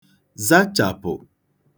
zachàpụ̀